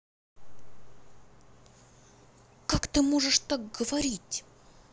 как ты можешь так говорить